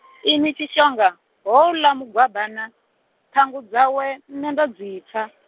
inwi Tshishonga, houḽa Mugwabana, ṱhangu dzawe, nṋe ndo dzi pfa.